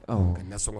Awɔ! nasɔngon